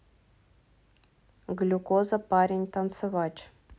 глюкоза парень танцевач